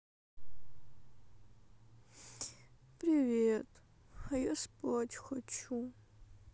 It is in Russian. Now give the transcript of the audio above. привет а я спать хочу